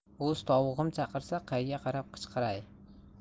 o'z tovug'im chaqirsa qayga qarab qichqiray